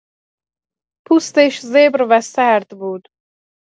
پوستش زبر و سرد بود.